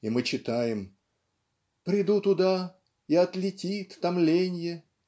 И мы читаем: Приду туда, и отлетит томленье.